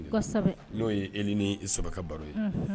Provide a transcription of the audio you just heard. N'o ye ni saba baro ye